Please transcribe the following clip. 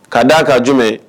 K'a d' a ka jumɛn